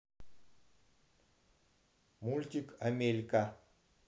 мультик амелька